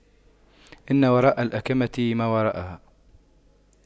إن وراء الأَكَمةِ ما وراءها